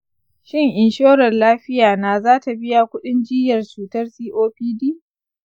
shin inshorar lafiya na za ta biya kuɗin jiyyar cutar copd?